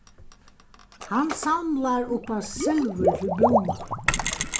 hann samlar upp á silvur til búnan